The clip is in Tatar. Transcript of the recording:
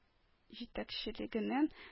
Җитәкчелегенең